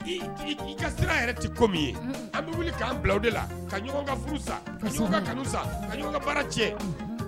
I ka sira yɛrɛ tɛ ko min ye an bɛ wuli k' bila o de la ka ɲɔgɔn ka furu san ka ka kanu sa ka ɲɔgɔn ka baara cɛ